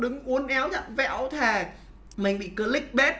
đứng uốn éo vặn vẹo thề mình bị cờ lích bết